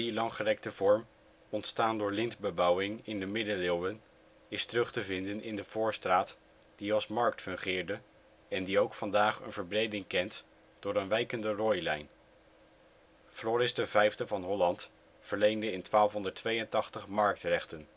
langgerekte vorm, ontstaan door lintbebouwing in de middeleeuwen, is terug te vinden in de Voorstraat, die als markt fungeerde, en die ook vandaag een verbreding kent door een wijkende rooilijn. Floris V van Holland verleende in 1282 marktrechten